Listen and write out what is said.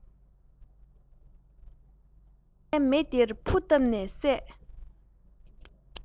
ཙག སྒྲའི མེ དེར ཕུ བཏབ ནས བསད